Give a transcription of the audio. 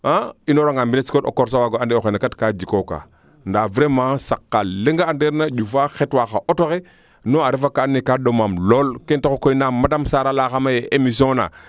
inoora nga mbines o korso ande o xene kat kaa jikooka ndaa vraiment saq kaa leŋa andeer na njufa xetwa xa auto xe non a refa kaa ando naye ka ɗomaam lool ken taxu koy na madame Sarr a leya xame emission naa